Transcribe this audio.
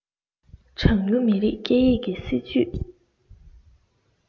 གྲངས ཉུང མི རིགས སྐད ཡིག གི སྲིད ཇུས